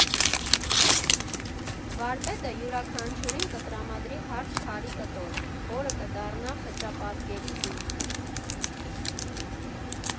Վարպետը յուրաքանչյուրին կտրամադրի հարթ քարի կտոր, որը կդառնա խճապատկերի հիմքը։